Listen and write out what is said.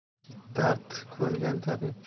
dard ko'rgan tabib